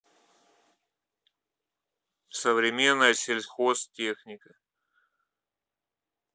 современная сельхозтехника